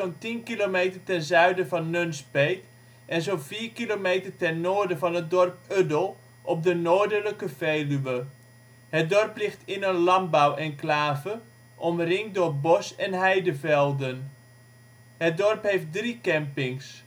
tien kilometer ten zuiden van Nunspeet en zo 'n vier kilometer ten noorden van het dorp Uddel, op de noordelijke Veluwe. Het dorp ligt in een landbouwenclave, omringd door bos en heidevelden. Het dorp heeft 3 campings